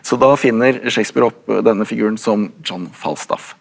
så da finner Shakespeare opp denne figuren som John Falstaff.